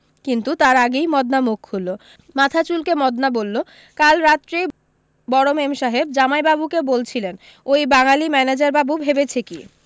কিন্তু তার আগেই মদনা মুখ খুললো মাথা চুলকে মদনা বললো কাল রাত্রেই বড় মেমসাহেব জামাইবাবুকে বলছিলেন ওই বাঙালী ম্যানেজারবাবু ভেবেছে কী